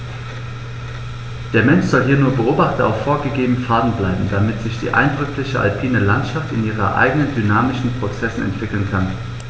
Der Mensch soll hier nur Beobachter auf vorgegebenen Pfaden bleiben, damit sich die eindrückliche alpine Landschaft in ihren eigenen dynamischen Prozessen entwickeln kann.